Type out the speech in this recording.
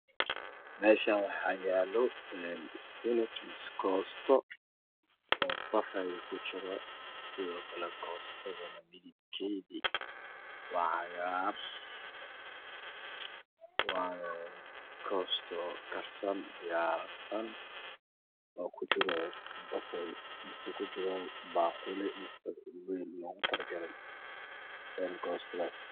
Meeshaan waxa yaalo isbiinis is koosto oo basali ku jiro sidoo kalena koostada midabkeydii waa cagaar waa koosto karsan diyaarsan ku jiro basali mise baaquli mide meel looga Kara dalay koostadaas.